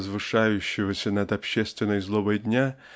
возвышающегося над общественной злобой дня